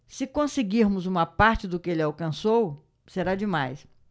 se conseguirmos uma parte do que ele alcançou será demais